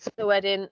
So wedyn...